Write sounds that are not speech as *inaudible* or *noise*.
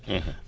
*hesitation* *hesitation*